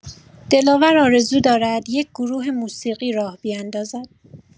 دلاور آرزو دارد یک گروه موسیقی راه بیندازد.